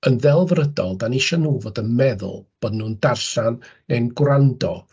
Yn ddelfrydol, dan ni isio nhw fod yn meddwl bod nhw'n darllen neu'n gwrando